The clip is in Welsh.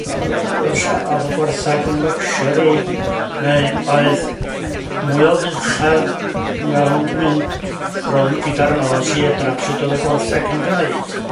yy sh- oedd y gwartheg yn luxury neu oedd mwy o fuchedd mewn mynd rownd gyda'r nos i edrach su' oedd y gwartheg yn gneud.